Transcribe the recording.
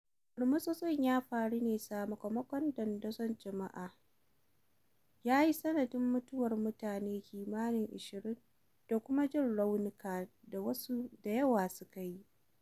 Turmutsutsun ya faru ne sakamakon dandazon jama'a yayi sanadin mutuwar mutane kimanin 20 da kuma jin raunika da wasu da yawa suka yi.